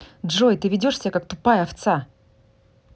джой ты ведешь себя как тупая овца